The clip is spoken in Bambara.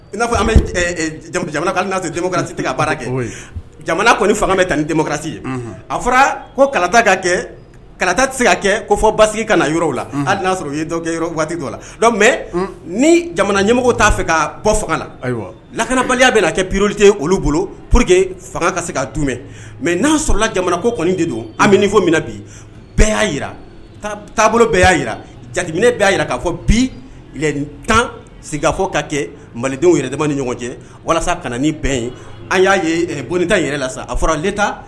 I n'a fɔ' baara kɛ bɛ ni a fɔra ka laa ni jamana ɲɛmɔgɔ t'a fɛ ka bɔ fanga la ayiwa laanabaliya bɛ na porote olu bolo p que fanga ka se k ka mɛ n'a sɔrɔ jamana ko kɔni de don an fɔ min na bi bɛɛ y'a jira taabolo bɛɛ y'a jira jateminɛ bɛ y' jira k'a fɔ bi tan sigifo ka kɛ malidenw yɛrɛ dama ni ɲɔgɔn cɛ walasa kana ni bɛn in an y'abontan yɛrɛ la sa fɔra